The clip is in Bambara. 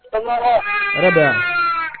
Faama wa